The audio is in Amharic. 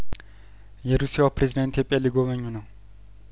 የሩሲያው ፕሬዚዳንት ኢትዮጵያን ሊጐበኙ ነው